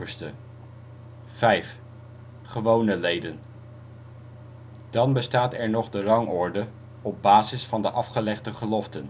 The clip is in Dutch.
Gewone leden. Dan bestaat er nog de rangorde op basis van de afgelegde geloften